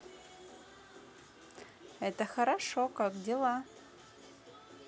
это хорошо как дела